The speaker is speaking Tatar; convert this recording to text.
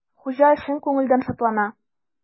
Хуҗа чын күңелдән шатлана.